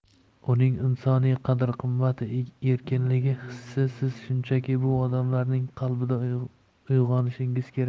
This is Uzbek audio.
uning insoniy qadr qimmati erkinligi hissi siz shunchaki bu odamlarning qalbida uyg'onishingiz kerak